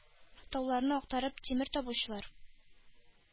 Тауларны актарып тимер табучылар,